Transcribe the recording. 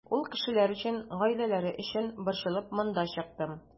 Ул кешеләр өчен, гаиләләре өчен борчылып монда чыктым.